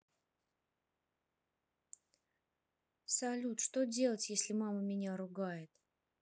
салют что делать если мама меня ругает